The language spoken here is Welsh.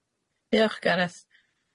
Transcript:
Diolch Gareth.